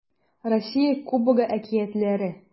Россия Кубогы әкиятләре